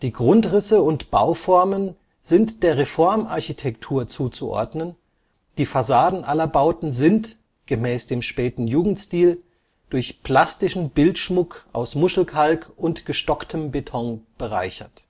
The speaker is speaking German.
Grundrisse und Bauformen sind der Reformarchitektur zuzuordnen, die Fassaden aller Bauten sind, gemäß dem späten Jugendstil, durch plastischen Bildschmuck aus Muschelkalk und gestocktem Beton bereichert